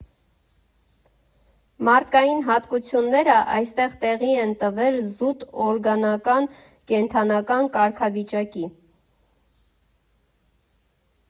«Մարդկային» հատկությունները այստեղ տեղի են տվել զուտ օրգանական֊կենդանական կարգավիճակի։